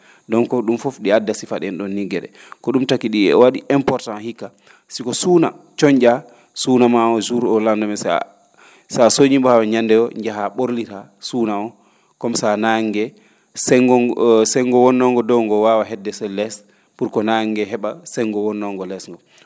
donc ?um fof ?i adda sifa ?een ?oon nii ge?e ko ?um taki ?i wa?i important hikka si ko suuna coñ?aa suuna maa oo jour au lendemain so a soñii mbo han ñannde woo njahaa ?orliraa suuna o comme ça nannge senngo o senngo wonnoo ngo dow ngoo waawa heedde se lees pour que naannge ngee he?a senngo wonnoongo lees ngoo